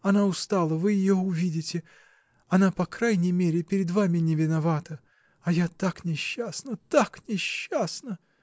Она устала -- вы ее увидите: она по крайней мере перед вами не виновата, а я так несчастна, так несчастна!